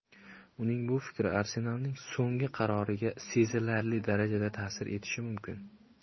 uning bu fikri arsenal ning so'nggi qaroriga sezilarli darajada ta'sir etishi mumkin